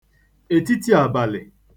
ètitiàbàlị̀